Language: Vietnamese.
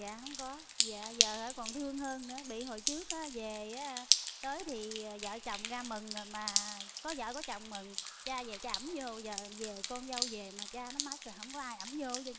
dạ hông có dạ giờ hãy còn thương hơn nữa bị hồi trước dề á tới thì vợ chồng ra mừng mà có vợ có chồng mừng cha chạy cha ẵm dô giờ về con dâu dề mà cha nó mất rồi hổng có ai ẵm dô dợ